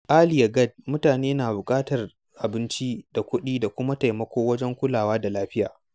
AlyaaGad mutane na buƙatar abinci da kuɗi da kuma taimako wajen kulawa da lafiya.